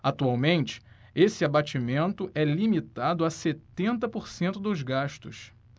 atualmente esse abatimento é limitado a setenta por cento dos gastos